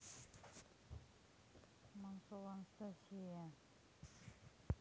куманцова анастасия